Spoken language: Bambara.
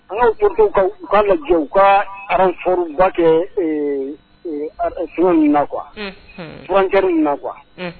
An jɔ u' jɛ u ka f sun na quurankɛ na qu